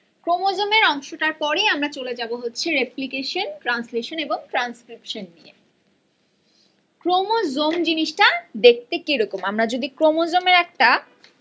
ক্রোমোজোমের অংশটা পরেই আমরা চলে যাব হচ্ছে রেপ্লিকেশন ট্রানসলেশন ট্রানস্ক্রিপশন নিয়ে ক্রোমোজোম জিনিসটা দেখতে কি রকম আমরা যদি ক্রোমোজোমের একটা